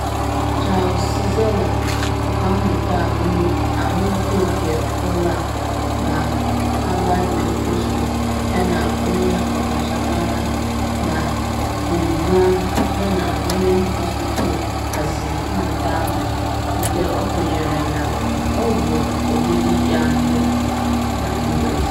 Charles Czeisler, ọkammụta ahụike nke ụra na Havard Medical School yana onye ọkachamara na Brigham yana Women Hospital haziri mmụta ahụ, nke ọ kwenyere na ọ bụ ụdịdị ya mbu na US.